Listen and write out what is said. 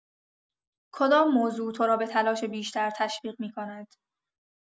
کدام موضوع تو را به تلاش بیشتر تشویق می‌کند؟